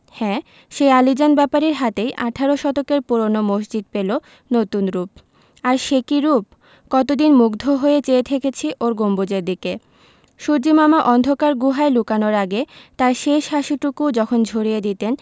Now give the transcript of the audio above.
হ্যাঁ সেই আলীজান ব্যাপারীর হাতেই আঠারো শতকের পুরোনো মসজিদ পেলো নতুন রুপ আর সে কি রুপ কতদিন মুগ্ধ হয়ে চেয়ে থেকেছি ওর গম্বুজের দিকে সূর্য্যিমামা অন্ধকার গুহায় লুকানোর আগে তাঁর শেষ হাসিটুকু যখন ঝরিয়ে দিতেন